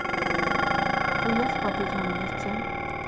hví hjálpa tit honum ikki